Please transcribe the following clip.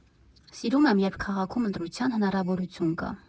Սիրում եմ, երբ քաղաքում ընտրության հնարավորություն կա։